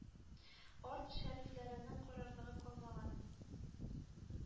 Арт шәрифләренең карарлыгы калмаган.